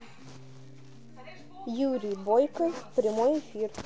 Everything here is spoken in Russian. юрий бойко прямой эфир